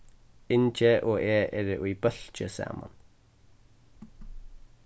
ingi og eg eru í bólki saman